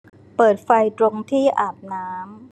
เปิดไฟตรงที่อาบน้ำ